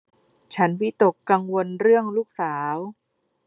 ฉันวิตกกังวลเรื่องลูกสาว